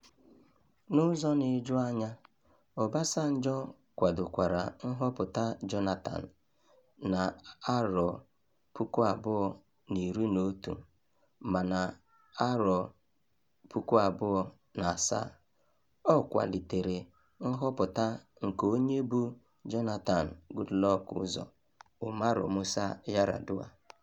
N'ụzọ na-eju anya, Obasanjo kwadokwara nhọpụta Jonathan na 2011. Ma na 2007, ọ kwalitere nhọpụta nke onye bu Jonathan Goodluck ụzọ, Umaru Musa Yar'Adua.